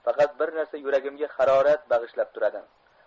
faqat bir narsa yuragimga harorat bag'ishlab turadi